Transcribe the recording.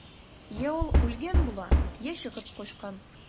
Йә ул үлгән була, йә чыгып качкан.